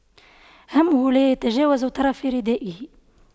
همه لا يتجاوز طرفي ردائه